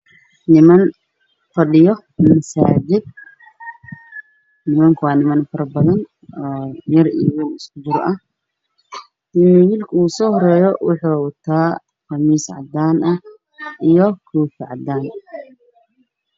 Niman fadhi masajid waana niman fara badan oo yar io weeyan iskukujiro wllka usohoreyo waxow wata qamis cadan io koofi cadan ah